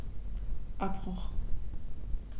Abbruch.